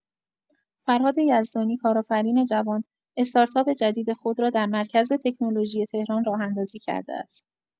فرهاد یزدانی، کارآفرین جوان، استارتاپ جدید خود را در مرکز تکنولوژی تهران راه‌اندازی کرده است.